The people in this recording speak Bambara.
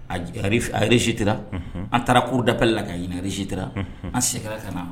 A rejeté là An tarara cours d'appel a rejeté là An seginna ka na